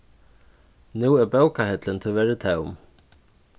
nú er bókahillin tíverri tóm